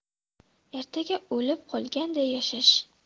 ertaga o'lib qolganday yashash